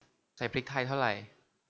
ใส่พริกไทยเท่าไร